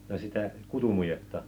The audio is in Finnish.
no sitä kutumujetta